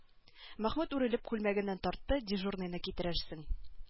Мәхмүт үрелеп күлмәгеннән тартты дежурныйны китерерсең